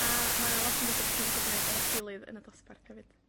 A, ma' 'na lot o betha 'dach chi'n gallu gneud efo'ch gilydd yn y dosbarth hefyd.